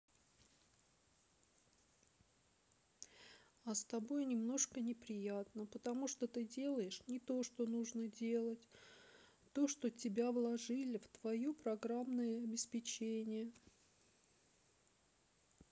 а с тобой немножко неприятно потому что ты делаешь не то что нужно делать то что тебя вложили в твое программное обеспечение